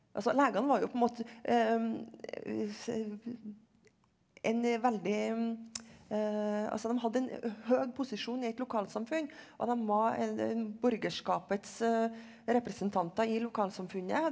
altså legene var jo på en måte en veldig altså dem hadde en høg posisjon i et lokalsamfunn og dem var borgerskapets representanter i lokalsamfunnet.